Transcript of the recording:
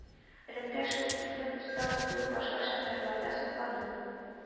Лектә шултиклем оста үтүе башка шоферларда соклану